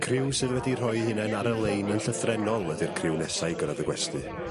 Criw sydd wedi rhoi 'u hunain ar y lein yn llythrennol ydi'r criw nesa i gyrradd y gwesty.